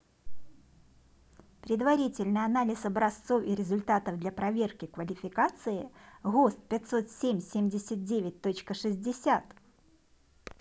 предварительный анализ образцов и результатов для проверки квалификации гост пятьсот семь семьдесят девять точка шестьдесят